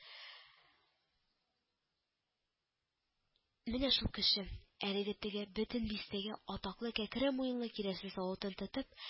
Менә шул кеше, әлеге теге бөтен бистәгә атаклы кәкре муенлы керосин савытын тотып